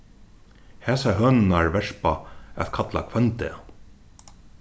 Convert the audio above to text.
hasar hønurnar verpa at kalla hvønn dag